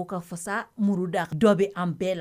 O ka fasa muru da, dɔ bɛ an bɛɛ la.